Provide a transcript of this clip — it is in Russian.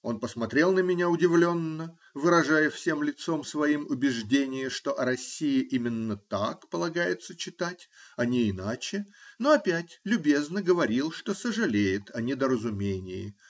Он посмотрел на меня удивленно, выражая всем лицом своим убеждение, что о России именно так полагается читать, а не иначе, но опять любезно говорил, что сожалеет о недоразумении.